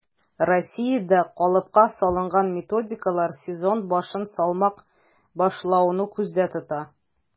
Россиядә калыпка салынган методикалар сезон башын салмак башлауны күздә тота: